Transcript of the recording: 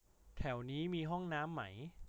แถวนี้มีห้องน้ำมั้ย